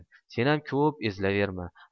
senam ko'p ezilaverma